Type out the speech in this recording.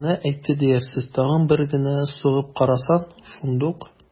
Менә әйтте диярсез, тагын бер генә сугып карасын, шундук...